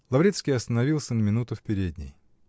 Лаврещший остановился на минуту в передней.